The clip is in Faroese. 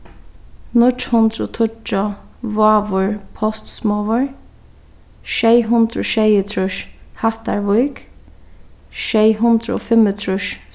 níggju hundrað og tíggju vágur postsmogur sjey hundrað og sjeyogtrýss hattarvík sjey hundrað og fimmogtrýss